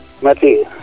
merci